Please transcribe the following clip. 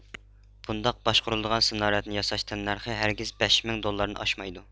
بۇنداق باشقۇرۇلىدىغان سىنارەدنى ياساش تەننەرخى ھەرگىز بەش مىڭ دوللاردىن ئاشمايدۇ